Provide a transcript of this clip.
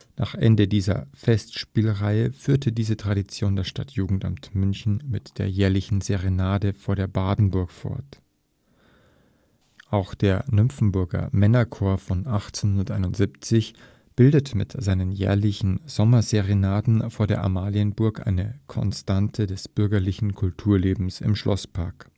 Nach Ende dieser Festspielreihe führt diese Tradition das Stadtjugendamt München mit der jährlichen „ Serenade vor der Badenburg “fort. Auch der „ Nymphenburger Männerchor von 1861 “bildet mit seinen jährlichen Sommerserenaden vor der Amalienburg eine Konstante des bürgerlichen Kulturlebens im Schlosspark